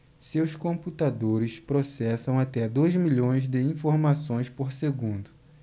seus computadores processam até dois milhões de informações por segundo